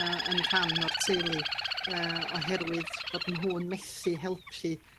Yy yn rhan o'r teulu y oherwydd bod nhw'n methu helpu